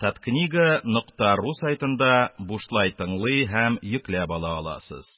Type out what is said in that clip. Таткнига ру сайтында бушлай тыңлый һәм йөкләп ала аласыз